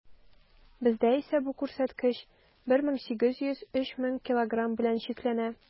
Бездә исә бу күрсәткеч 1800 - 3000 килограмм белән чикләнә.